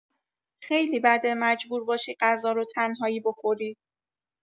خیلی بده مجبور باشی غذا رو تنهایی بخوری.